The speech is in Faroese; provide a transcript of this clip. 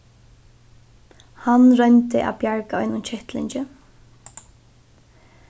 hann royndi at bjarga einum kettlingi